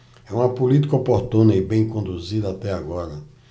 é uma política oportuna e bem conduzida até agora